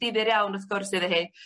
difyr iawn wrth gwrs iddo hi.